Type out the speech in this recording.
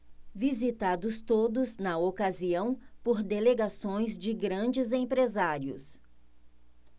visitados todos na ocasião por delegações de grandes empresários